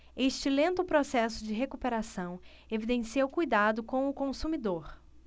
este lento processo de recuperação evidencia o cuidado com o consumidor